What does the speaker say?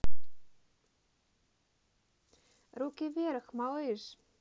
руки вверх малыш